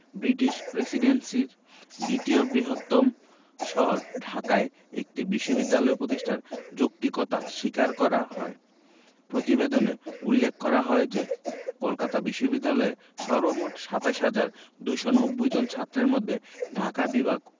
British প্রেসিডেন্সির দ্বিতীয় বৃহত্তম শহর ঢাকায় একটি বিশ্ববিদ্যালয় প্রতিষ্ঠার যৌক্তিকতা স্বীকার করা হয় প্রতিবেদনে উল্লেখ করা হয় যে কলকাতা বিশ্ববিদ্যালয়ে সর্বমোট ২৭ হাজার ২৯০ জন ছাত্রের মধ্যে ঢাকা বিভাগ